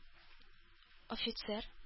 Офицер